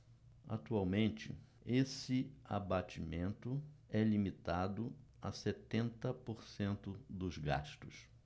atualmente esse abatimento é limitado a setenta por cento dos gastos